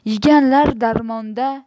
yeganlar darmonda